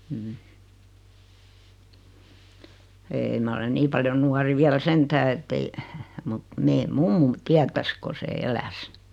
ei minä olen niin paljon nuori vielä sentään että ei mutta meidän mummomme tietäisi kun se eläisi